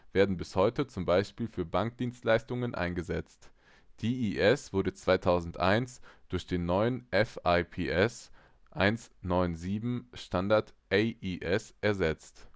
werden bis heute z. B. für Bankdienstleistungen eingesetzt. DES wurde 2001 durch den neuen FIPS-197-Standard AES ersetzt